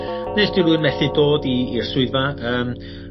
Ne' sdyw rywun methu dod i i'r swyddfa yym